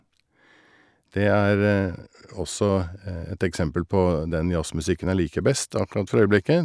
Det er også et eksempel på den jazzmusikken jeg liker best akkurat for øyeblikket.